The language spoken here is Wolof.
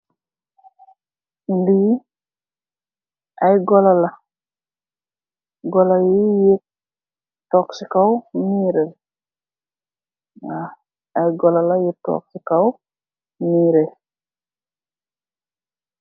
Li ay golo la, golo yi éék tóóg ci kaw miir bi